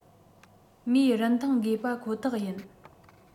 མིའི རིན ཐང དགོས པ ཁོ ཐག ཡིན